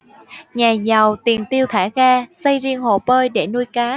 nhà giàu tiền tiêu thả ga xây riêng hồ bơi để nuôi cá